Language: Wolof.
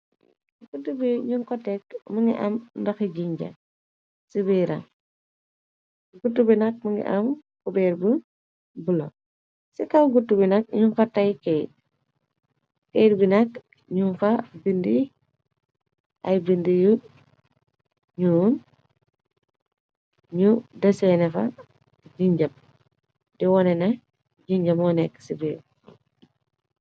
Kudu bi ñu kotekk mungi am ndohi jinja ci biram. Kudubi nak mu ngi am kubeer bu bulo ci kaw kutu bi nak ñu fa taykayt ayr bi nakk ñu fa bindi ay bind yu ñuo ñu deseene fa di jinja di woneh ne jinja moo nekk ci biir ram.